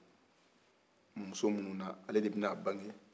muso minnu na ale de bɛna a bange